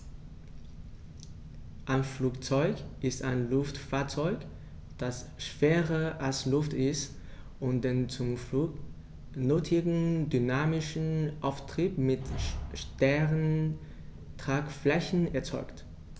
Ein Flugzeug ist ein Luftfahrzeug, das schwerer als Luft ist und den zum Flug nötigen dynamischen Auftrieb mit starren Tragflächen erzeugt.